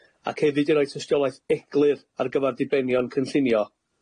ac hefyd i roi tystiolaeth eglur ar gyfar dibenion cynllunio